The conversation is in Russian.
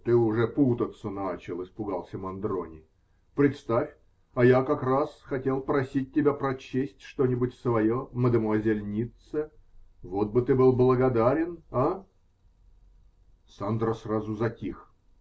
ты уже путаться начал, -- испугался Мандрони, -- представь, а я как раз хотел просить тебя прочесть что-нибудь свое мадемуазель Ницце. Вот бы ты был благодарен, а? Сандро сразу затих.